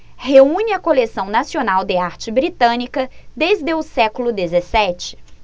reúne a coleção nacional de arte britânica desde o século dezessete